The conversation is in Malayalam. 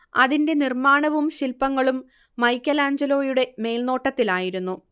അതിന്റെ നിർമ്മാണവും ശില്പങ്ങളും മൈക്കെലാഞ്ചലോയുടെ മേൽനോട്ടത്തിലായിരുന്നു